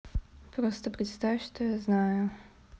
просто представь что я знаю